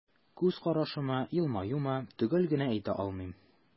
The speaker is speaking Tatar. Күз карашымы, елмаюмы – төгәл генә әйтә алмыйм.